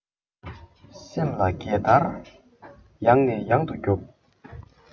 སེམས ལ གད བདར ཡང ནས ཡང དུ རྒྱོབ